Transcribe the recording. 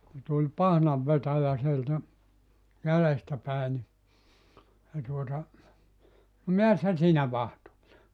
kun tuli pahnanvetäjä sieltä jäljestä päin niin se tuota no mitäs sinä siinä vahtailet